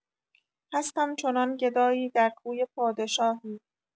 هستم چنان گدایی در کوی پادشاهی